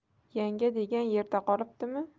yanga degan yerda qolibdimi